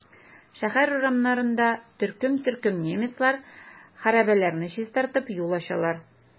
Шәһәр урамнарында төркем-төркем немецлар хәрабәләрне чистартып, юл ачалар.